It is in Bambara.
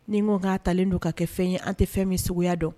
Ni ko k'a talen don ka kɛ fɛn ye an tɛ fɛn min sugu dɔn